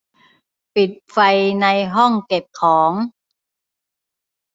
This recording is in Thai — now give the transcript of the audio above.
ปิดไฟในห้องเก็บของ